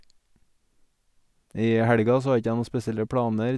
I helga så har ikke jeg noen spesielle planer.